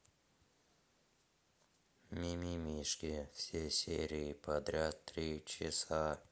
мимимишки все серии подряд три часа